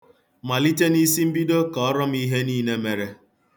Malite n'isimbido kọọrọ m ihe niile mere.